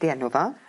...'di enw fo.